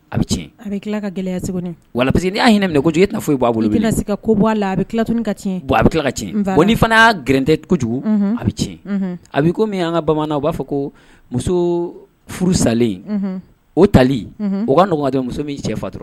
A bɛ a bɛ tila ka gɛlɛyaya wasi n' y'a hinɛ minɛ jo'a fɔ i b'a bolo bɛna se ka ko bɔ a la a bɛ tilalat ka tiɲɛ a bɛ tila tiɲɛ bon n'i fana gte kojugu a bɛ tiɲɛ a bɛi ko min'an ka bamanan u b'a fɔ ko muso furu salen o tali u ka ɲɔgɔnjɔ muso min cɛ fatura